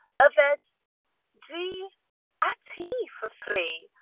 Yfed G a T for free.